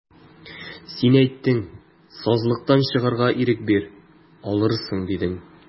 Син әйттең, сазлыктан чыгарга ирек бир, алырсың, дидең.